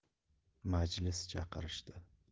majlis chaqirishdi